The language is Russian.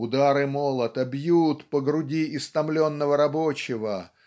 Удары молота бьют по груди истомленного рабочего